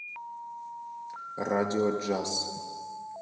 радио джаз